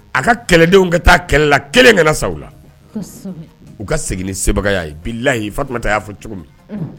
A ka kɛlɛdenw ka taa kɛlɛ la kelen ka sa la u ka segin ni sebaga yeyi tun y'a fɔ cogo min